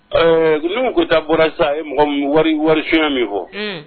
Ɛɛ Nuhu Goyita bɔra sisan a ye mɔgɔ minnu, wari wari suyɛn min fɔ. Un.